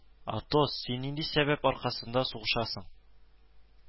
Атос, син нинди сәбәп аркасында сугышасың